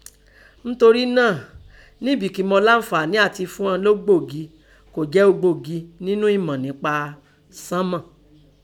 Ńtorí náà, nígbi kín mọ láǹfààní áti fún ìnan ògbógí kọ́ jẹ́ ògbógí ńnú ẹ̀mọ̀ ńpa sọ́nmọ̀n.